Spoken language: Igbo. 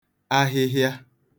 ahịhịa